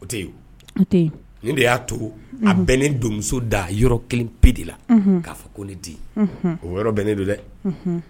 O tɛ yen, o tɛ yen, o de la a bɛnen don, muso da yɔrɔ kelen pewu de la, unhun, k'a fɔ ko ne tɛn yen, o yɔrɔ bɛn ne do dɛ, unhun.